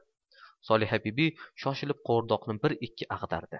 solihabibi shoshilib qovurdoqni bir ikki ag'dardi